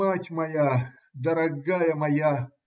Мать моя, дорогая моя!